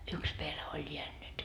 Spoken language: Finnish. yksi perhe oli jäänyt